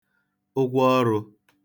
ụgwọ ọrụ̄